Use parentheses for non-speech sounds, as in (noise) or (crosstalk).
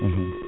(hesitation) (hesitation) (noise)